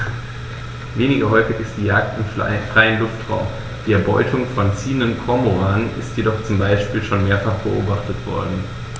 Weniger häufig ist die Jagd im freien Luftraum; die Erbeutung von ziehenden Kormoranen ist jedoch zum Beispiel schon mehrfach beobachtet worden.